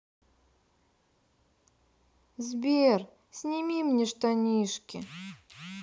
сбер сними мне штанишки